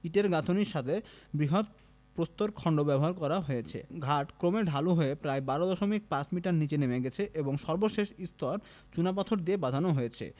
ইটের গাঁথুনীর সাথে বৃহৎ প্রস্তরখন্ডও ব্যবহার করা হয়েছে ঘাট ক্রমে ঢালু হয়ে প্রায় ১২ দশমিক ৫ মিটার নিচে নেমে গেছে এবং সর্বশেষ স্তর চুনাপাথর দিয়ে বাঁধানো হয়েছে